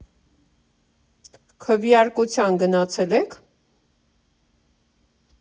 «Քվեարկության գնացե՞լ եք։